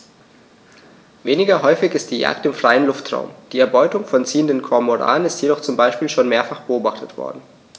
Weniger häufig ist die Jagd im freien Luftraum; die Erbeutung von ziehenden Kormoranen ist jedoch zum Beispiel schon mehrfach beobachtet worden.